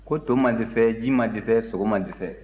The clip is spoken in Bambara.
ko to ma dɛsɛ ji ma dɛsɛ sogo ma dɛsɛ